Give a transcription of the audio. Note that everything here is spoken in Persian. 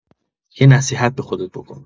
یه نصیحت به خودت بکن!